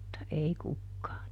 mutta ei kukaan